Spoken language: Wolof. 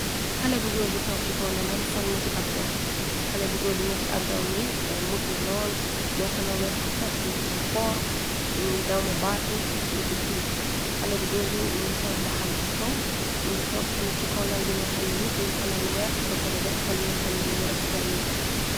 Xale bu goor bi tok ci kaw laalam sol neeti abdoom xale bu góor bi neeti abboom yi mut nalool nekkna weex bu set bu foor mongi dawme baat bi beci suuf xale bi góor bi mongi sol mbaxana ci kaw mongi toog tamit ci kaw laal bi nga xamna yépp ñun ko laal weex bepare def fa li nga xamne mongi refetal neeg bi.